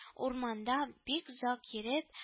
Урманда бик озак йөреп